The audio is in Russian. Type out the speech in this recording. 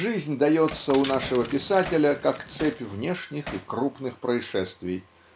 Жизнь дается у нашего писателя как цепь внешних и крупных происшествий.